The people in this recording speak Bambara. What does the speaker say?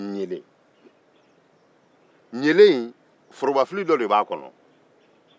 forobafili dɔ be ɲele in kɔnɔ